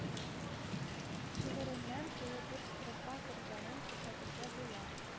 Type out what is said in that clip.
Шигыреннән тулы бер строфа кергәнен күрсәтергә була